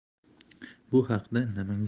bu haqda namangan